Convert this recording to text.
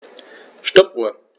Stoppuhr.